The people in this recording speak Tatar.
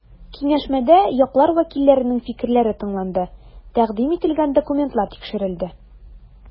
Киңәшмәдә яклар вәкилләренең фикерләре тыңланды, тәкъдим ителгән документлар тикшерелде.